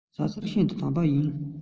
ཟ ཚུལ ཤིན ཏུ དམ པ ཡིན